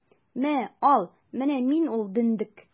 Мә, ал, менә мин ул дөндек!